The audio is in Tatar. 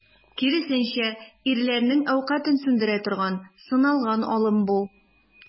Киресенчә, ирләрнең әүкатен сүндерә торган, сыналган алым бу.